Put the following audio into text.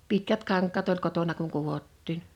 pitkät kankaat oli kotona kun kudottiin